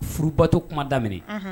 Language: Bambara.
Furubato kuma daminɛ